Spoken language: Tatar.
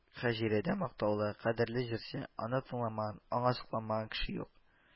Һәҗирәдә мактаулы, кадерле җырчы, аны тыңламаган, аңа сокланман кеше юк